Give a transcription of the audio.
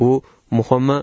eng muhimi